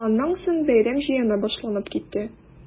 Аннан соң бәйрәм җыены башланып китте.